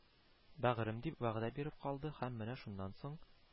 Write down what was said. Бәгърем, дип, вәгъдә биреп калды һәм менә шуннан соң,